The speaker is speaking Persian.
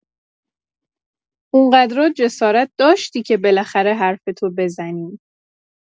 اونقدرا جسارت داشتی که بالاخره حرفتو بزنی.